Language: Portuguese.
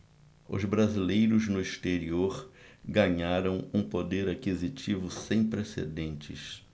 os brasileiros no exterior ganharam um poder aquisitivo sem precedentes